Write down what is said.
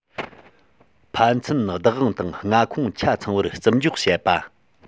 ཕན ཚུན བདག དབང དང མངའ ཁོངས ཆ ཚང བར བརྩི འཇོག བྱེད པ